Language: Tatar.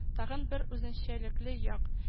Тагын бер үзенчәлекле як: